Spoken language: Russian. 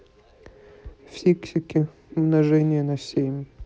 фиксики умножение на семь